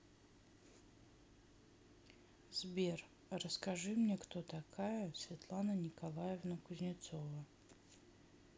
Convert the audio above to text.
сбер расскажи мне кто такая светлана николаевна кузнецова